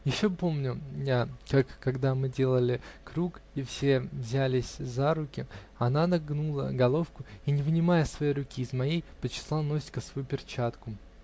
Еще помню я, как, когда мы делали круг и все взялись за руки, она нагнула головку и, не вынимая своей руки из моей, почесала носик о свою перчатку.